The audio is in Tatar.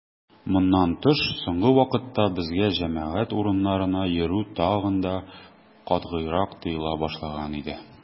Моннан тыш, соңгы вакытта безгә җәмәгать урыннарына йөрү тагын да катгыйрак тыела башлаган иде.